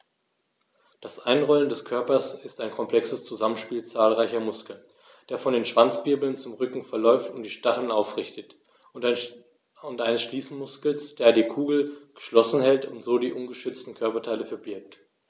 Das Einrollen des Körpers ist ein komplexes Zusammenspiel zahlreicher Muskeln, der von den Schwanzwirbeln zum Rücken verläuft und die Stacheln aufrichtet, und eines Schließmuskels, der die Kugel geschlossen hält und so die ungeschützten Körperteile verbirgt.